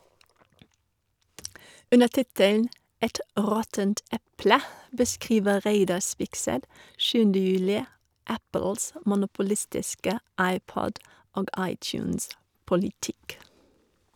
Under tittelen «Et råttent eple » beskriver Reidar Spigseth 7. juli Apples monopolistiske iPod- og iTunes -politikk.